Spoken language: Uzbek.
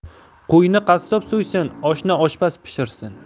qo'yni qassob so'ysin oshni oshpaz pishirsin